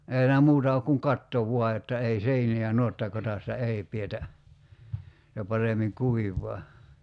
ei siinä muuta ole kuin katto vain jotta ei seiniä nuottakodassa ei pidetä se paremmin kuivaa